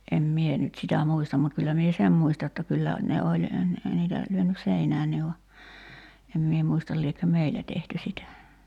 en minä nyt sitä muista mutta kyllä minä sen muistan jotta kyllä ne oli ne niitä lyönyt seinään vaan en minä muista liekö meillä tehty sitä